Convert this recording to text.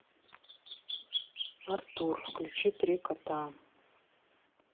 артур включи три кота